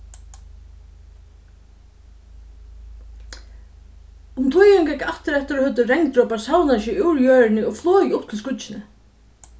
um tíðin gekk aftureftir høvdu regndropar savnað seg úr jørðini og flogið upp til skýggini